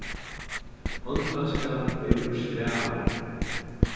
hondtaskan er úr skræðu